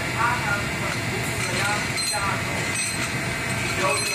aanhaling van het boek in de latere canon (Joz